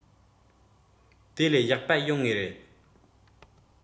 དེ ལས ཡག པ ཡོང ངེས རེད